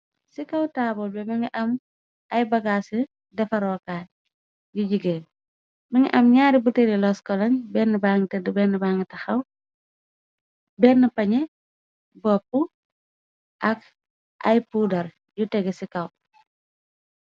Ci kaw taabul be mongi am ay bagaasi defa rookaay yi jigeen mongi am ñaari botale los coloñ bena bangi deda bena bangi taxaw benn pañex boppu ak ay poodar yu tege ci kaw.